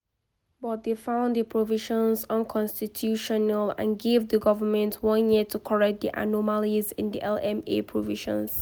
But they found the provisions unconstitutional and gave the government one year to correct the anomalies in the LMA provisions.